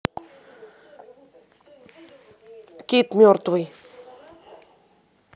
кит мертвый